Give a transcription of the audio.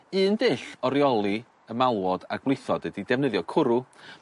Un dull o reoli y malwod a gwlithod ydi defnyddio cwrw.